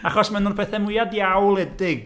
Achos maen nhw'r pethau mwya diawledig.